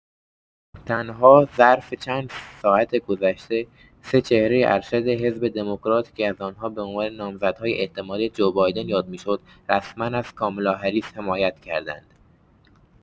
تنها ظرف چند ساعت گذشته سه چهره ارشد حزب دموکرات که از آنها به عنوان نامزدهای احتمالی جو بایدن یاد می‌شد رسما از کامالا هریس حمایت کرده‌اند؛